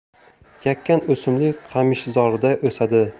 yakan o'simlik qamishzorda o'sadi